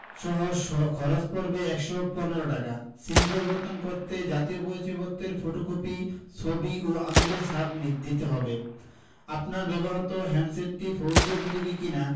সহ খরচ পড়বে ১১৫ টাকা সিম পরিবর্তন করতে জাতীয় পরিচয়পত্রের ফটোকপি ছবি ও আঙুলের ছাপ দিতে হবে আপনার ব্যবহৃত হ্যান্ডসেটটি ফোরজি উপযোগী কিনা